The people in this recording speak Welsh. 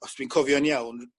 os dwi'n cofio'n iawn